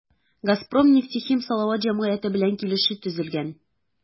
“газпром нефтехим салават” җәмгыяте белән килешү төзелгән.